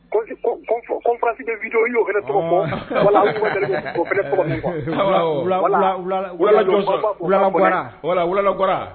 Tigi v y'o wulalakura